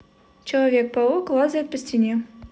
человек паук лазает по стене